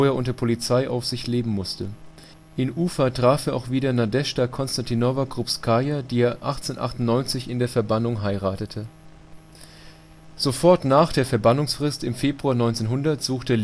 unter Polizeiaufsicht leben musste. In Ufa traf er auch wieder Nadeschda Konstantinowna Krupskaja, die er 1898 in der Verbannung heiratete. Sofort nach der Verbannungsfrist im Februar 1900 suchte